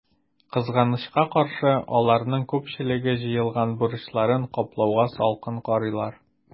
Кызганычка каршы, аларның күпчелеге җыелган бурычларын каплауга салкын карыйлар.